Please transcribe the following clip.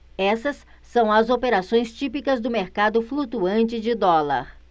essas são as operações típicas do mercado flutuante de dólar